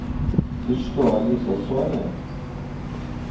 ты что алиса соня